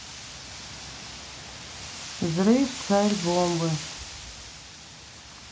взрыв царь бомбы